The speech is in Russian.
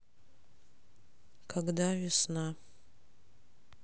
когда весна